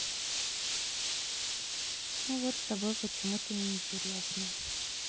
ну вот с тобой почему то не интересно